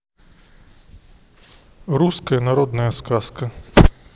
русская народная сказка